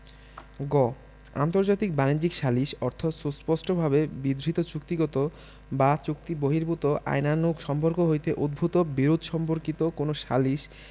গ আন্তর্জাতিক বাণিজ্যিক সালিস অর্থ সুস্পষ্টভাবে বিধৃত চুক্তিগত বা চুক্তিবহির্ভুত আইনানুগ সম্পর্ক হইতে উদ্ভুত বিরোধ সম্পর্কিত কোন সালিস